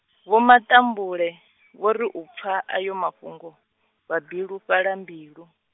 Vho Matambule, vho ri u pfa ayo mafhungo, vha bilufhala mbilu.